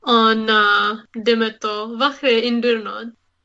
O na, dim eto. Falle un diwrnod.